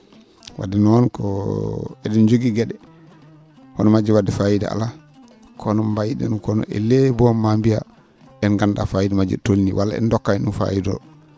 wadde noon ko e?en jogii gue?e hono majje wadde fayida alaa kono mbayi ?en kono ele boom ma mbiya en ganda fayida majje ?o tolni walla en dokkani ?um fayida o